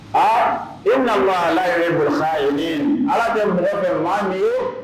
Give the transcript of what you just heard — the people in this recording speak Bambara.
Ala bɛ mɔgɔ fɛ maa min wo